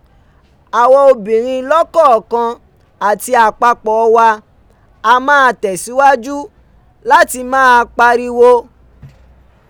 Àwa obìnrin lọ́kọ̀ọ̀kan àti àpapọ̀ọ wa, a máa tẹ̀síwajú láti máa pariwo.